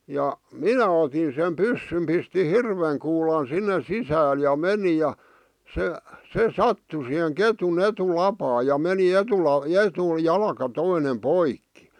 ja minä otin sen pyssyn pistin hirven kuulan sinne sisälle ja menin ja se se sattui siihen ketun etulapaan ja meni -- etujalka toinen poikki